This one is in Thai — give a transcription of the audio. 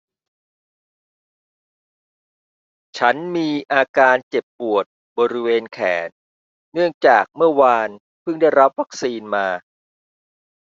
ฉันมีอาการเจ็บปวดบริเวณแขนเนื่องจากเมื่อวานพึ่งได้รับวัคซีนมา